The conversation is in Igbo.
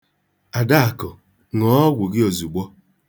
Adakụ, ṅụọ ọgwụ gị ozugbo.